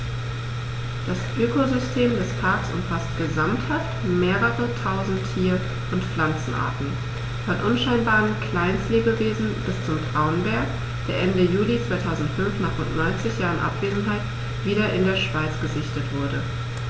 Das Ökosystem des Parks umfasst gesamthaft mehrere tausend Tier- und Pflanzenarten, von unscheinbaren Kleinstlebewesen bis zum Braunbär, der Ende Juli 2005, nach rund 90 Jahren Abwesenheit, wieder in der Schweiz gesichtet wurde.